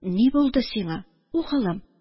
Ни булды сиңа, угылым